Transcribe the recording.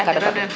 ga iro den